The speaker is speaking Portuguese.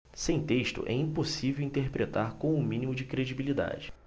sem texto é impossível interpretar com o mínimo de credibilidade